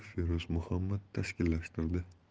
feruz muhammad tashkillashtirdi